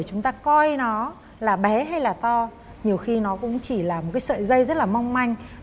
chúng ta coi nó là bé hay là to nhiều khi nó cũng chỉ là một cái sợi dây rất là mong manh